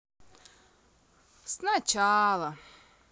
сначала